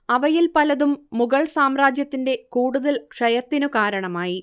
അവയിൽ പലതും മുഗൾ സാമ്രാജ്യത്തിന്റെ കൂടുതൽ ക്ഷയത്തിനു കാരണമായി